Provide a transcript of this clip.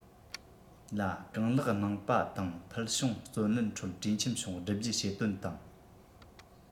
ལ གང ལེགས གནང བ དང ཕུལ བྱུང བརྩོན ལེན ཁྲོད གྲོས འཆམ བྱུང བསྒྲུབ རྒྱུ བྱེད དོན དང